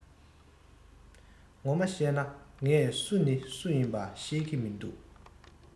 ངོ མ གཤས ན ངས སུ ནི སུ ཡིན པ ཤེས གི མི འདུག